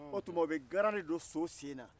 o tuma u bɛ garan de don so sen na